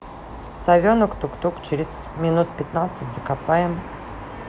совенок тук тук через минут пятнадцать закопаем